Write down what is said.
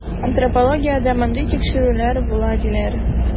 Антропологиядә мондый тикшерүләр була, диләр.